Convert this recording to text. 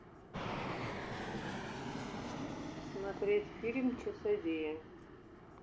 смотреть фильм часодеи